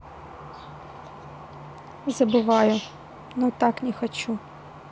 забываю но так не хочу